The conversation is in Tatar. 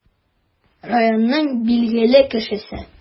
Районның билгеле кешесе.